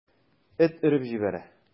Эт өреп җибәрә.